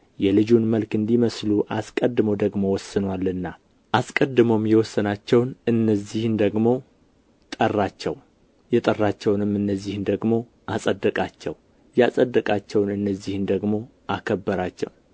የልጁን መልክ እንዲመስሉ አስቀድሞ ደግሞ ወስኖአልና አስቀድሞም የወሰናቸውን እነዚህን ደግሞ ጠራቸው የጠራቸውንም እነዚህን ደግሞ አጸደቃቸው ያጸደቃቸውንም እነዚህን ደግሞ አከበራቸው